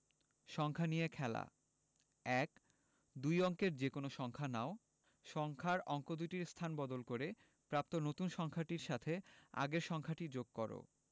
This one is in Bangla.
সংখ্যা নিয়ে খেলা ১ দুই অঙ্কের যেকোনো সংখ্যা নাও সংখ্যার অঙ্ক দুইটির স্থান বদল করে প্রাপ্ত নতুন সংখ্যাটির সাথে আগের সংখ্যাটি যোগ কর